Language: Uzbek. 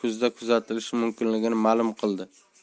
kuzda kuzatilishi mumkinligini ma'lum qildi